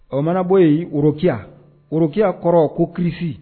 O mana bɔ yen wororokiya, worokiya kɔrɔ ye ko kirisi.